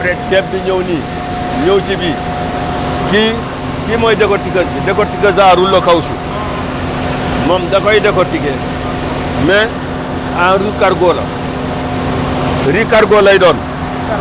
après ceeb bi ñëw nii ñëw ci bii fii fii mooy décortiqueuse décortiqueuse à rouleau caouchouc moom dafay décortiquer mais en riz cargot la riz cargot lay doon